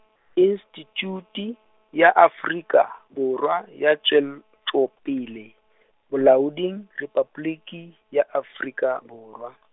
Institute, ya Afrika Borwa, ya Tšwetšopele Bolaoding, Repabliki ya Afrika Borwa.